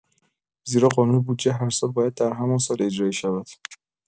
زیرا قانون بودجه هر سال، باید در همان سال اجرایی شود.